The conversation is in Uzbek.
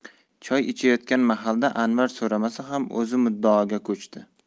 choy ichayotgan mahalda anvar so'ramasa ham o'zi muddaoga ko'chdi